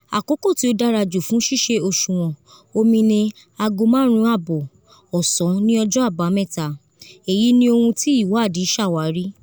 Àkókò tí ó dàrájù fún ṣíṣe òṣùwọ̀n omi ni 5:30 ọ̀sán ní ọjọ́ àbámẹ́ta, èyí ni ohun tí ìwáàdí ṣàwárí.